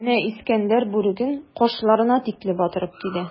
Менә Искәндәр бүреген кашларына тикле батырып киде.